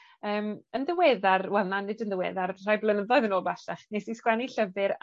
yym yn ddiweddar wel, na, nid yn ddiweddar rhai blynyddoedd yn ôl bellach nes i sgwennu llyfyr